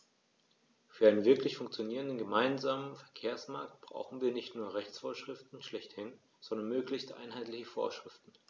Für einen wirklich funktionierenden gemeinsamen Verkehrsmarkt brauchen wir nicht nur Rechtsvorschriften schlechthin, sondern möglichst einheitliche Vorschriften.